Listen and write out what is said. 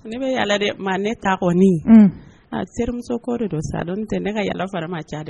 Ne bɛ yala de ma ne tak a semuso ko de don sa dɔn tɛ ne ka yaa farama ca dɛ